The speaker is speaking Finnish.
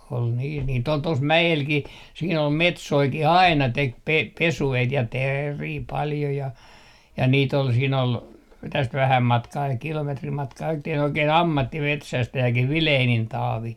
oli niissä niitä oli tuossa mäelläkin siinä oli metsojakin aina teki - pesueita ja teeriä paljon ja ja niitä oli siinä oli tästä vähän matkaa kilometrin matkaa että oli oikein ammattimetsästäjäkin Vilenin Taavi